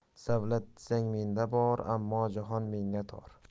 savlat desang menda bor ammo jahon menga tor